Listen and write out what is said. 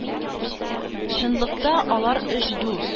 Чынлыкта алар өч дус.